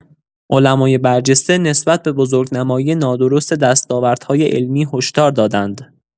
علمای برجسته نسبت به بزرگنمایی نادرست دستاوردهای علمی هشدار دادند.